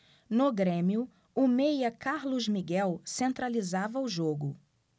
no grêmio o meia carlos miguel centralizava o jogo